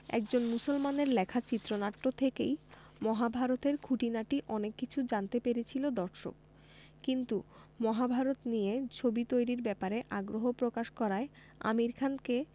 একজন মুসলমানের লেখা চিত্রনাট্য থেকেই মহাভারত এর খুঁটিনাটি অনেক কিছু জানতে পেরেছিল দর্শক কিন্তু মহাভারত নিয়ে ছবি তৈরির ব্যাপারে আগ্রহ প্রকাশ করায় আমির খানকে